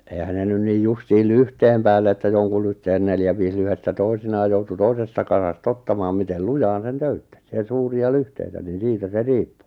eihän ne nyt niin justiin lyhteen päälle että jonkun lyhteen neljä viisi lyhdettä toisinaan joutui toisesta kasasta ottamaan miten lujaan sen töyttäsi ja suuria lyhteitä niin siitä se riippui